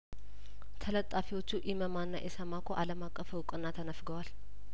ተለጣፊዎቹ ኢመማና ኢሰማኮ አለም አቀፍ እውቅና ተነፍገዋል